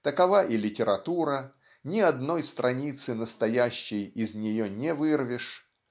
Такова и литература: ни одной страницы настоящей из нее не вырвешь.